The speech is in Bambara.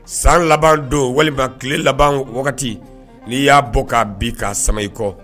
San laban don walima tile laban wagati n'i y'a bɔ